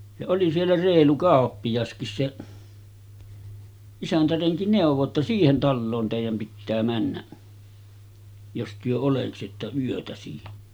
ja oli siellä reilu kauppiaskin se isäntärenki neuvoi jotta siihen taloon teidän pitää mennä jos te oleksitte yötä siinä